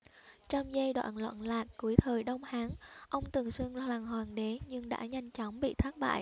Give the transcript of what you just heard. trong giai đoạn loạn lạc cuối thời đông hán ông từng xưng làm hoàng đế nhưng đã nhanh chóng bị thất bại